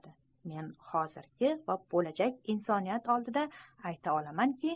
men hozirgi va bo'lajak insoniyat oldida ayta olamanki